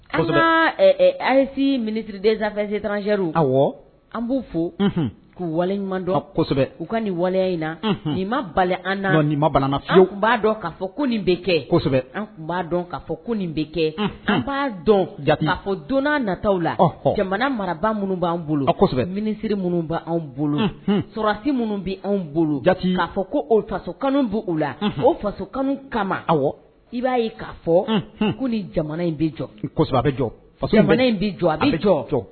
Ayise minisiriridz2eranzeri aw an b'u fo k'u wale ɲuman dɔnsɛbɛ u ka nin waleya in na nin ma bali an b'a dɔn ka fɔ ko nin bɛ kɛsɛbɛ an tun b'a dɔn kaa fɔ ko nin bɛ kɛ an b'a dɔn ja fɔ donna nataw la jamana marabaa minnu b'an bolosɛbɛ minisiriri minnu ban bolo sɔsi minnu b bɛ anw bolo ja'a fɔ ko o faso kanu b u la o faso kanu kama aw i b'a ye k'a fɔ ko ni jamana in bɛ jɔ a bɛ jɔ in bɛ jɔ a bɛ jɔ jɔ